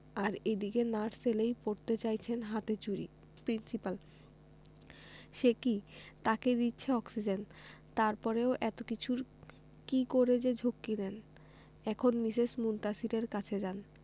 আর এদিকে নার্স এলেই পরতে চাইছেন হাতে চুড়ি প্রিন্সিপাল সে কি তাকে দিচ্ছে অক্সিজেন তারপরেও এত কিছুর কি করে যে ঝক্কি নেন এখন মিসেস মুনতাসীরের কাছে যান